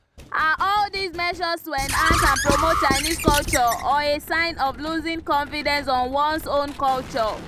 Are all these measures to enhance and promote Chinese culture or a sign of losing confidence on one’s own culture?